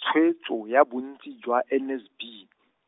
tshwetso ya bontsi jwa N S B,